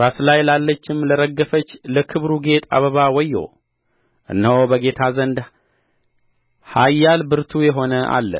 ራስ ላይ ላለችም ለረገፈች ለክብሩ ጌጥ አበባ ወዮ እነሆ በጌታ ዘንድ ኃያል ብርቱ የሆነ አለ